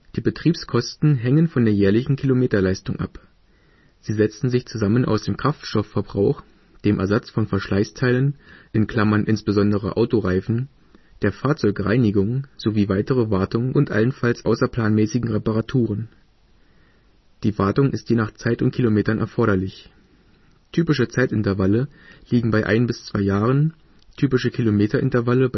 Betriebskosten hängen von der jährlichen Kilometerleistung ab. Sie setzen sich zusammen aus dem Kraftstoffverbrauch, dem Ersatz von Verschleißteilen (insbesondere Autoreifen), der Fahrzeugreinigung sowie weitere Wartung und allenfalls außerplanmäßigen Reparaturen. Die Wartung ist je nach Zeit und Kilometern erforderlich. Typische Zeitintervalle liegen bei 1 bis 2 Jahren, typische Kilometerintervalle